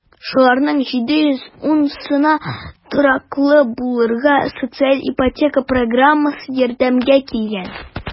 Шуларның 710-сына тораклы булырга социаль ипотека программасы ярдәмгә килгән.